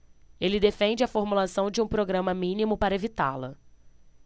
ele defende a formulação de um programa mínimo para evitá-la